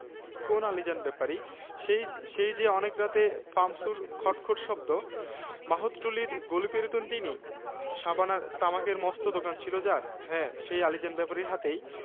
বাংলাদেশ পুস্তক প্রকাশক ও বিক্রেতা সমিতি লালকুঠি ঢাকা ১১/০২/১৯৮২ collected from intermediate Bangla Bengali Clinton B Seely